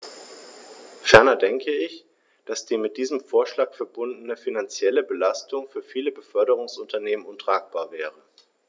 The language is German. Ferner denke ich, dass die mit diesem Vorschlag verbundene finanzielle Belastung für viele Beförderungsunternehmen untragbar wäre.